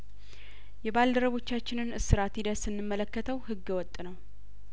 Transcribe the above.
የባልደረቦ ቻችንን እስራት ሂደት ስንመለከተው ህገ ወጥ ነው